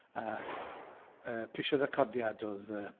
A yy pisio 'da codiad oedd y...